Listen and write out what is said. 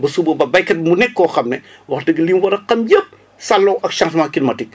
ba suba ba béykat bi mu nekk koo xam ne wax dëgg li mu war a xam yëpp sàlloo ak chanhement climatique